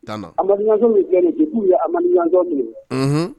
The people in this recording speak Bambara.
Tana, Amadu Ɲansɔn min filɛ nin ye dépuis u ye Amadu Ɲansɔn minɛ, unhun